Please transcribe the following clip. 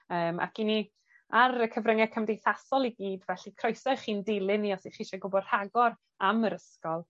yym ac 'yn ni ar y cyfrynge cymdeithasol i gyd felly croeso i chi'n dilyn ni os 'ych chi isie gwbod rhagor am yr ysgol